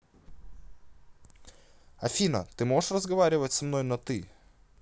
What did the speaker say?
афина можешь разговаривать со мной на ты